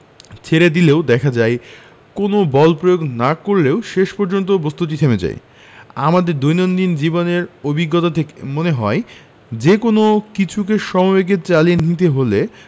ছেড়ে দিলেও দেখা যায় কোনো বল প্রয়োগ না করলেও শেষ পর্যন্ত বস্তুটা থেমে যায় আমাদের দৈনন্দিন জীবনের অভিজ্ঞতা থেকে মনে হয় যেকোনো কিছুকে সমবেগে চালিয়ে নিতে হলে